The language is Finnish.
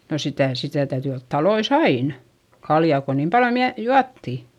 no sitä sitä täytyi olla taloissa aina kaljaa kun niin paljon - juotiin